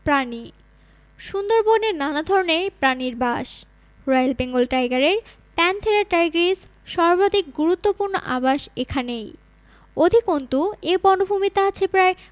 প্রাণী সুন্দরবনে নানা ধরনের প্রাণীর বাস রয়েল বেঙ্গল টাইগারের প্যান্থেরা টাইগ্রিস সর্বাধিক গুরুত্বপূর্ণ আবাস এখানেই অধিকন্তু এ বনভূমিতে আছে প্রায়